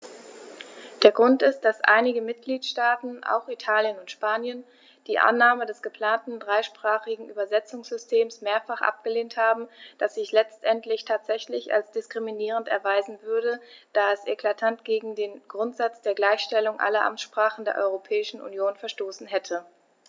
Der Grund ist, dass einige Mitgliedstaaten - auch Italien und Spanien - die Annahme des geplanten dreisprachigen Übersetzungssystems mehrfach abgelehnt haben, das sich letztendlich tatsächlich als diskriminierend erweisen würde, da es eklatant gegen den Grundsatz der Gleichstellung aller Amtssprachen der Europäischen Union verstoßen hätte.